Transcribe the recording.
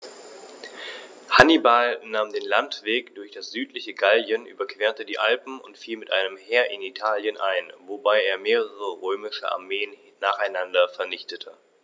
Hannibal nahm den Landweg durch das südliche Gallien, überquerte die Alpen und fiel mit einem Heer in Italien ein, wobei er mehrere römische Armeen nacheinander vernichtete.